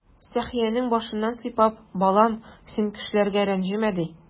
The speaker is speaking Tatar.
Сәхиянең башыннан сыйпап: "Балам, син кешеләргә рәнҗемә",— ди.